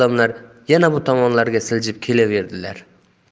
odamlar yana bu tomonlarga siljib kelaverdilar